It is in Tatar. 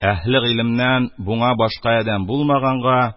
«әһле гыйлем»нән буңа башка адәм булмаганга,